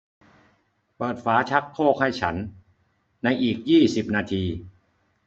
เปิดฝาชักโครกให้ฉันในอีกยี่สิบนาที